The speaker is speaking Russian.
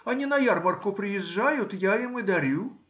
они на ярмарку приезжают, я им и дарю.